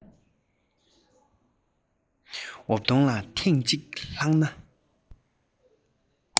འོབ དོང ལ ཐེངས གཅིག ལྷུང ན